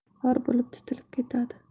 xor bo'lib titilib ketadi